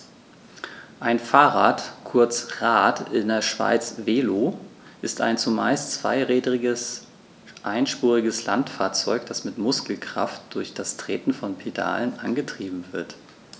Ein Fahrrad, kurz Rad, in der Schweiz Velo, ist ein zumeist zweirädriges einspuriges Landfahrzeug, das mit Muskelkraft durch das Treten von Pedalen angetrieben wird.